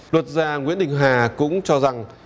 luật gia nguyễn đình hà cũng cho rằng